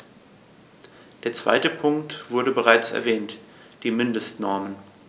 Der zweite Punkt wurde bereits erwähnt: die Mindestnormen.